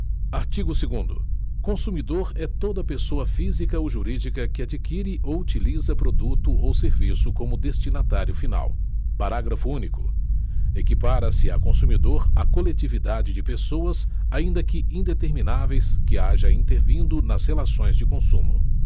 artigo segundo consumidor é toda pessoa física ou jurídica que adquire ou utiliza produto ou serviço como destinatário final parágrafo único equipara-se a consumidor a coletividade de pessoas ainda que indetermináveis que haja intervindo nas relações de consumo